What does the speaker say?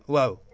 waaw